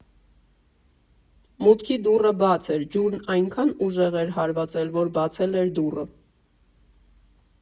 Մուտքի դուռը բաց էր, ջուրն այնքան ուժեղ էր հարվածել, որ բացել էր դուռը։